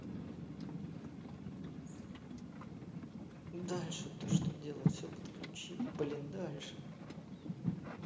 дальше то что делать все подключи блин дальше